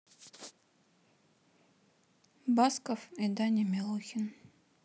басков и даня милохин